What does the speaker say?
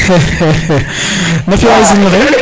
na fio waay Serigne noxe